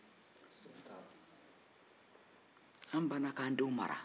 an banna k'an denw mara